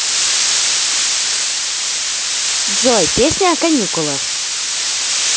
джой песня о каникулах